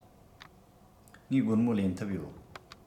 ངས སྒོར མོ ལེན ཐུབ ཡོད